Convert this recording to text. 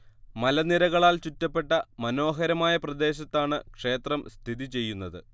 മലനിരകളാൽ ചുറ്റപ്പെട്ട മനോഹരമായ പ്രദേശത്താണ് ക്ഷേത്രം സ്ഥിതി ചെയ്യുന്നത്